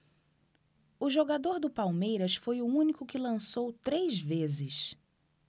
o jogador do palmeiras foi o único que lançou três vezes